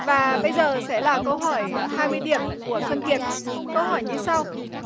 và bây giờ sẽ là câu hỏi ở hai mươi điểm của xuân kiệt câu hỏi như sau